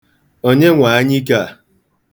Onye nwe anyike a?